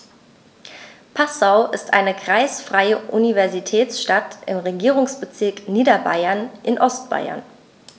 Passau ist eine kreisfreie Universitätsstadt im Regierungsbezirk Niederbayern in Ostbayern.